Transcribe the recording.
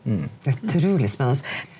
utrulig spennende.